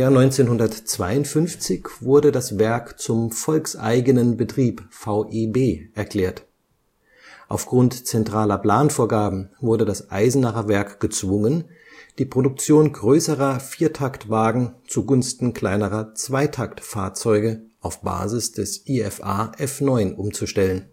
1952 wurde das Werk zum Volkseigenen Betrieb (VEB) erklärt. Aufgrund zentraler Planvorgaben wurde das Eisenacher Werk gezwungen, die Produktion größerer Viertaktwagen zugunsten kleinerer Zweitakt-Fahrzeuge auf Basis des IFA F9 umzustellen